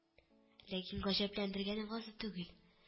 Ләкин гаҗәпләндергәне ваза түгел